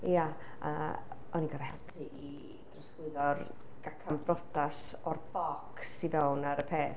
Ia, a o'n i'n gorfod helpu i drosglwyddo'r gacen briodas o'r bocs i fewn ar y peth.